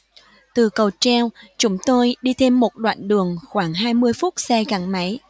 từ cầu treo chúng tôi đi thêm một đoạn đường khoảng hai mươi phút xe gắn máy